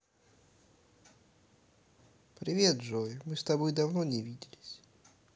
привет джой мы с тобой давно не видим